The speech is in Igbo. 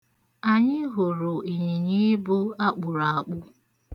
Anyị hụrụ ịnyịnyiibu akpụrụ akpụ.